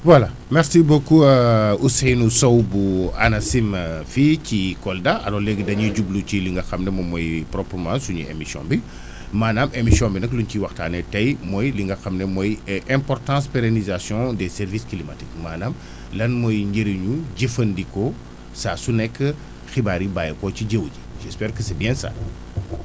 voilà merci beaucoup Ousseynou Sow bu ANACIM fii ci Kolda alors léegi dañuy jublu ci li nga xam ne moom mooy proprement suñu émission bi maanaam émission bi nag lu ñu ci waxtaanee tey mooy li nga xam ne mooy importance pérénisation des services climatiques :framaanaam lan mooy njëriñu jëfandikoo saa su nekk xibaar yi bàyyeekoo ci jaww ji j'espère que c' est bien ça